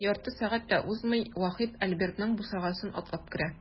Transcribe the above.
Ярты сәгать тә узмый, Вахит Альбертның бусагасын атлап керә.